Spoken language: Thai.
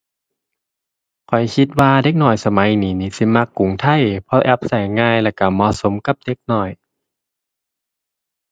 ข้อยคิดว่าเด็กน้อยสมัยนี้นี่สิมักกรุงไทย เพราะแอปใช้ง่าย แล้วใช้เหมาะสมกับเด็กน้อย